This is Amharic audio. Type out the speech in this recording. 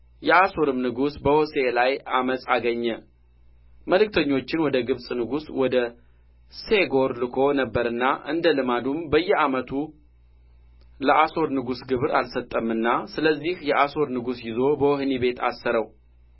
የአሦርም ንጉሥ በሆሴዕ ላይ ዓመፅ አገኘ መልእክተኞችን ወደ ግብጽ ንጉሥ ወደ ሴጎር ልኮ ነበርና እንደ ልማዱም በየዓመቱ ለአሦር ንጉሥ ግብር አልሰጠምና ስለዚህ የአሦር ንጉሥ ይዞ በወህኒ ቤት አሰረው